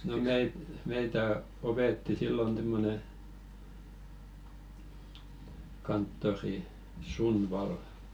no - meitä - opetti silloin semmoinen kanttori Sundvall